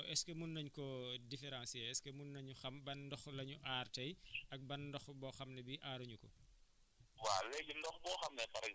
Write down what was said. léegi nag yooyu yooyu façon ndox est :fa ce que mun nañ koo différencier est ce que mun nañu xam ban ndox la ñu aar tey ak ban ndox boo xam ne bi aaruñu ko